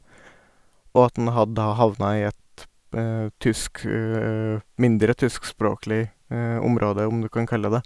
Og at en hadde da havna i et tysk mindre tyskspråklig område, om du kan kalle det det.